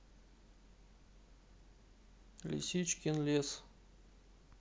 лисичкин лес